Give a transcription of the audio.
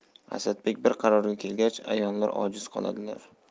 asadbek bir qarorga kelgach a'yonlar ojiz qoladilar